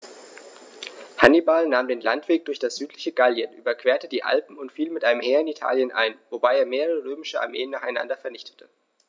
Hannibal nahm den Landweg durch das südliche Gallien, überquerte die Alpen und fiel mit einem Heer in Italien ein, wobei er mehrere römische Armeen nacheinander vernichtete.